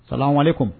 Sawale kun